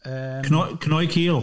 Yym... cno- cnoi cîl!